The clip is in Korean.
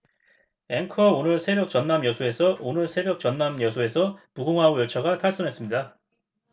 앵커 오늘 새벽 전남 여수에서 오늘 새벽 전남 여수에서 무궁화호 열차가 탈선했습니다